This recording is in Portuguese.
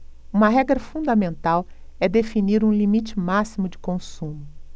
uma regra fundamental é definir um limite máximo de consumo